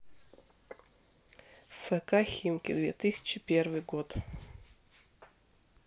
фк химки две тысячи первый год